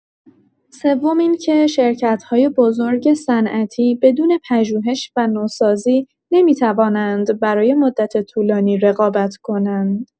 سوم اینکه شرکت‌های بزرگ صنعتی بدون پژوهش و نوسازی نمی‌توانند برای مدت طولانی رقابت کنند.